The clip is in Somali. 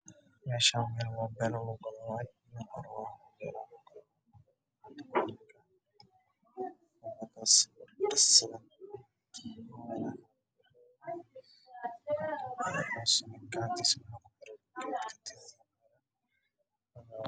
Waa taleefoonada midabkoodu yahay madow